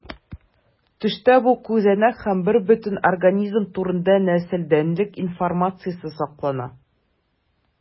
Төштә бу күзәнәк һәм бербөтен организм турында нәселдәнлек информациясе саклана.